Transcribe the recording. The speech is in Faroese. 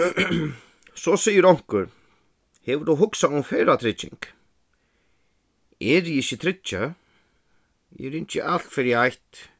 so sigur onkur hevur tú hugsað um ferðatrygging eri eg ikki tryggjað eg ringi alt fyri eitt